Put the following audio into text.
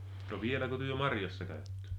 no vieläkö te marjassa käytte